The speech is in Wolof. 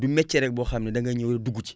du metier rek boo xam ne da nga ñëw rek dugg ci